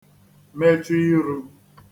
mechū īrū